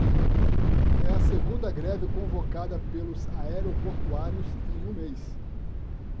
é a segunda greve convocada pelos aeroportuários em um mês